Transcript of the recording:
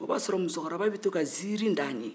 o b'a sɔrɔ musokɔrɔba bɛ to ka ziiri da an ye